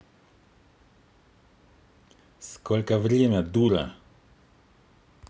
сколько время дура